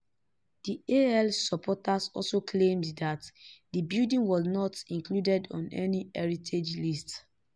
The AL supporters also claimed that the building was not included on any heritage list.